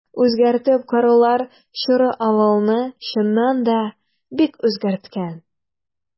Үзгәртеп корулар чоры авылны, чыннан да, бик үзгәрткән.